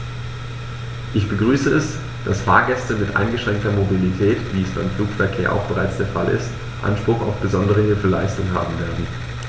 Ich begrüße es, dass Fahrgäste mit eingeschränkter Mobilität, wie es beim Flugverkehr auch bereits der Fall ist, Anspruch auf besondere Hilfeleistung haben werden.